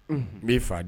N b'i faa di